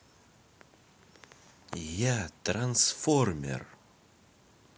я трансформер